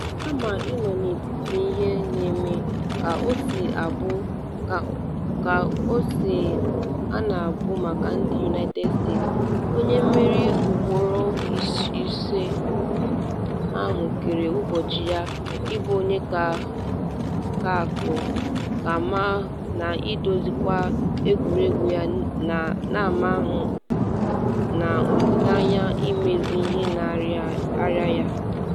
Kama ịnọ n’etiti ihe na-eme, ka o si anọbu maka ndị United States, onye mmeri ugboro ise ahụ kere ụbọchị ya ịbụ onye na-akụ aka ma na-edozikwa egwuregwu ya n’ama ahụ n’olile anya imezi ihe na-arịa ya.